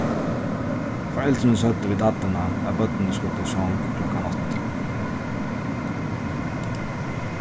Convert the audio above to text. foreldrini søgdu við dadduna at børnini skuldu í song klokkan átta